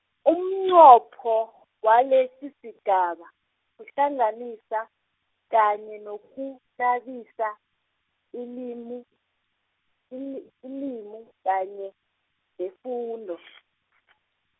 umnqopho, walesisigaba, kuhlanganisa, kanye nokunabisa, ilimi, ili- ilimu kanye, nefundo.